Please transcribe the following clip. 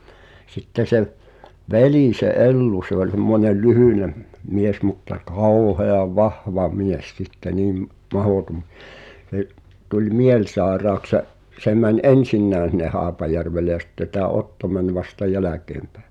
sitten se veli se Ellu se oli semmoinen lyhyt mies mutta kauhean vahva mies sitten niin mahdoton se tuli mielisairaaksi se se meni ensinnäkin sinne Haapajärvelle ja sitten tämä Otto meni vasta jälkeenpäin